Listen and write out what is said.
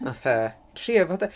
Fatha trio fo de...